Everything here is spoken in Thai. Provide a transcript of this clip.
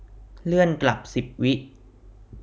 เลื่อนกลับสิบวิ